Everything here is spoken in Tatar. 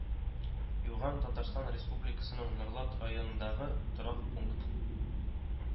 Юган Татарстан Республикасының Норлат районындагы торак пункт